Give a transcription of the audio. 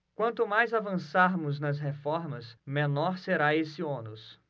quanto mais avançarmos nas reformas menor será esse ônus